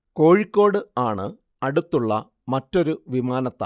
കോഴിക്കോട് ആണ് അടുത്തുള്ള മറ്റൊരു വിമാനത്താവളം